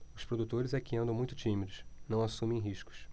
os produtores é que andam muito tímidos não assumem riscos